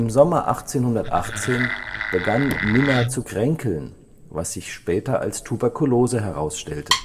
Sommer 1818 begann Minna zu kränkeln, was sich später als Tuberkulose herausstellte